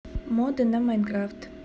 моды на майнкрафт